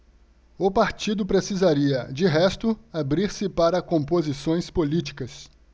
o partido precisaria de resto abrir-se para composições políticas